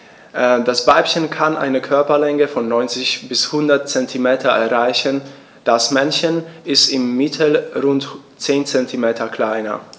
Das Weibchen kann eine Körperlänge von 90-100 cm erreichen; das Männchen ist im Mittel rund 10 cm kleiner.